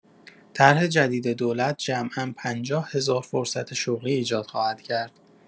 طرح جدید دولت جمعا ۵۰ هزار فرصت شغلی ایجاد خواهد کرد.